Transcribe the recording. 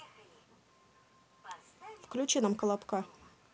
включи нам колобка